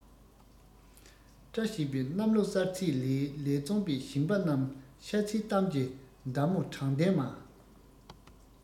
བཀྲ ཤིས པའི གནམ ལོ གསར ཚེས ལས ལ བརྩོན པའི ཞིང པ རྣམས ཤ ཚའི གཏམ གྱི མདའ མོ དྲང བདེན མ